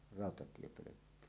rautatiepölkky